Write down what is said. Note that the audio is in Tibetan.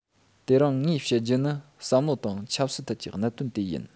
དེ རིང ངས བཤད རྒྱུ ནི བསམ བློ དང ཆབ སྲིད ཐད ཀྱི གནད དོན དེ ཡིན